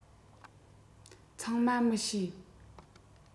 ཚང མ མི ཤེས